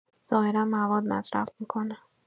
ظاهرا مواد مصرف می‌کنه.